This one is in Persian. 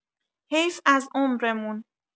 حیف از عمرمون